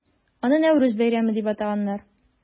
Аны Нәүрүз бәйрәме дип атаганнар.